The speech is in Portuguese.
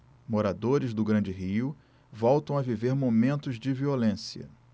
moradores do grande rio voltam a viver momentos de violência